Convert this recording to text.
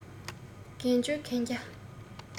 འགན བཅོལ གན རྒྱ